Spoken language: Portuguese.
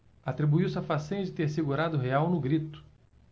atribuiu-se a façanha de ter segurado o real no grito